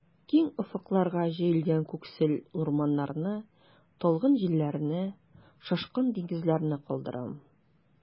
Киң офыкларга җәелгән күксел урманнарны, талгын җилләрне, шашкын диңгезләрне калдырам.